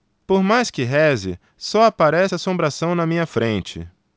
por mais que reze só aparece assombração na minha frente